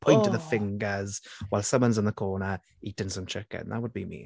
O! ...pointing the fingers while someone's in the corner eating some chicken. That would be me.